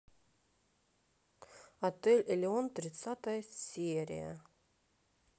отель элеон тридцатая серия